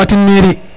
o atin mairie